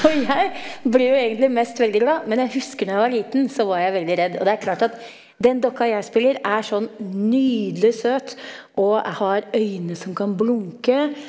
og jeg blir jo egentlig mest veldig glad, men jeg husker når jeg var liten så var jeg veldig redd og det er klart at den dokka jeg spiller er sånn nydelig søt og har øyne som kan blunke.